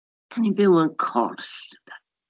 Dan ni'n byw mewn cors, dydan?